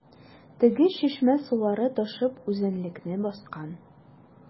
Теге чишмә сулары ташып үзәнлекне баскан.